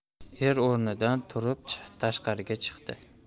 er o'rnidan turib tashqariga chiqdi